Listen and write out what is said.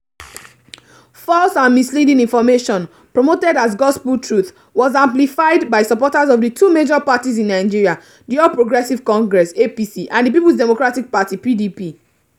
False and misleading information, promoted as gospel truth, was amplified by supporters of the two major parties in Nigeria: the All Progressive Congress (APC) and the People's Democratic Party (PDP).